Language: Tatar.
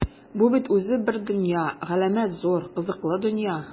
Бу бит үзе бер дөнья - галәмәт зур, кызыклы дөнья!